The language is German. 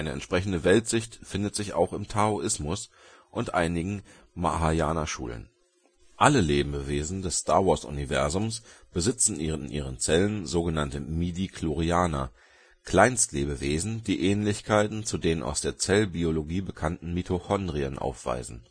entsprechende Weltsicht findet sich auch im Taoismus und einigen Mahayana Schulen. Alle Lebewesen des Star-Wars-Universums besitzen in ihren Zellen sogenannte Midi-Chlorianer, Kleinstlebewesen, die Ähnlichkeiten zu den aus der Zellbiologie bekannten Mitochondrien aufweisen